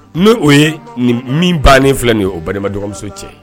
N'o o ye min bannen filɛ nin ye o balima dɔgɔmuso cɛ.